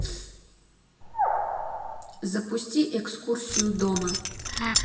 запусти экскурсию дома